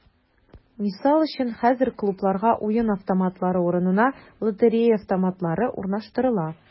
Мисал өчен, хәзер клубларга уен автоматлары урынына “лотерея автоматлары” урнаштырыла.